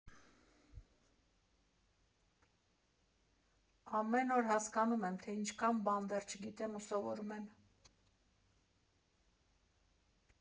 Ամեն օր հասկանում եմ, թե ինչքան բան դեռ չգիտեմ ու սովորում եմ։